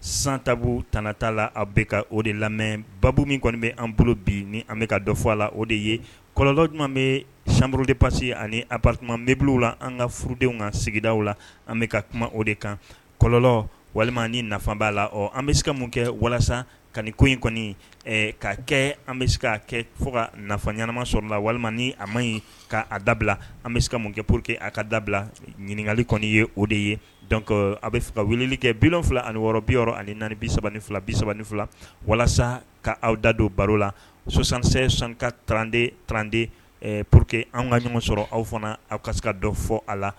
San tabu tta la aw bɛ ka o de lamɛn babu min kɔni bɛ an bolo bi ni an bɛka ka dɔfɔ a la o de ye kɔlɔlɔnlɔ ɲuman bɛ sabururo de pasi ani aptima bbbiliw la an ka furudenw kan sigidaw la an bɛ ka kuma o de kan kɔlɔlɔnlɔ walima ni nafa b'a la an bɛ se ka mun kɛ walasa ka ko in kɔni ka kɛ an bɛ se ka kɛ fɔ ka nafa ɲanama sɔrɔ la walima ni a ma ɲi kaa dabila an bɛ se ka mun kɛ po que a ka dabila ɲininkakali kɔni ye o de ye dɔnc a bɛ fɛ ka weleli kɛ bi wolonwula ani wɔɔrɔ bi yɔrɔ ani naani bi3 ni fila bisa3 ni fila walasa ka aw da don baro la sosankisɛ sanka tranden tranden po que an ka ɲɔgɔn sɔrɔ aw fana aw ka se ka dɔ fɔ a la